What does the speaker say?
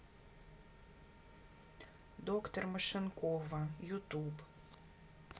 доктор машинкова ютуб